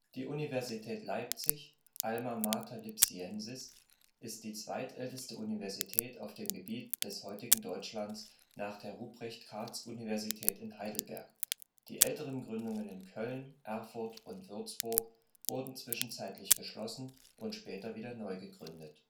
Die Universität Leipzig (Alma mater lipsiensis) ist die zweitälteste Universität auf dem Gebiet des heutigen Deutschlands nach der Ruprecht-Karls-Universität in Heidelberg (die älteren Gründungen in Köln, Erfurt und Würzburg wurden zwischenzeitlich geschlossen und später wieder neu gegründet